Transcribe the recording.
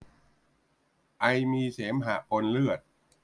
ไอมีเสมหะปนเลือด